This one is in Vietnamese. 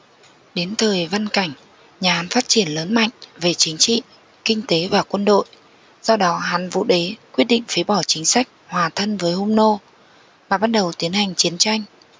đến thời văn cảnh nhà hán phát triển lớn mạnh về chính trị kinh tế và quân đội do đó hán vũ đế quyết định phế bỏ chính sách hòa thân với hung nô và bắt đầu tiến hành chiến tranh